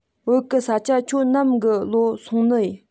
བོད གི ས ཆ ཁྱོད ནམ གི ལོ སོང ནིས